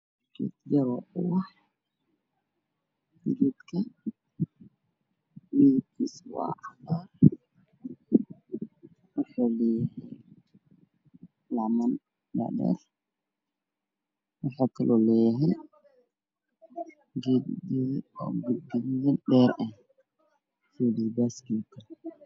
Meeshaan waxaa ka muuqda weel ah mashiin oo yaalaan labo kuraas oo ah mid madow ah shaati gaiig ah gacanta wuxuu ku hayaa buug oo buluug ah qoorta waxaa ugu jirto edhikaar waxa u xiran saacad aa gacanta ugu xiran saacad